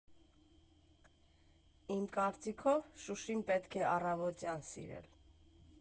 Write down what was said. Իմ կարծիքով, Շուշին պետք է առավոտյան սիրել։